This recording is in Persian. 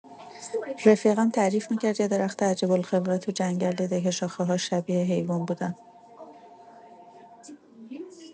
رفیقم تعریف می‌کرد یه درخت عجیب‌الخلقه تو جنگل دیده که شاخه‌هاش شبیه حیوون بودن!